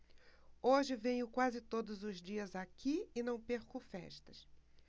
hoje venho quase todos os dias aqui e não perco festas